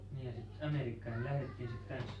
niin ja sitten Amerikkaan lähdettiin sitten kanssa